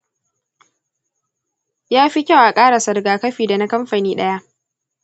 yafi kyau a ƙarasa rigakafi da na kamfani ɗaya.